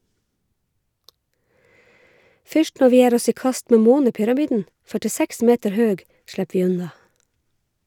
Fyrst når vi gjer oss i kast med månepyramiden, 46 meter høg, slepp vi unna.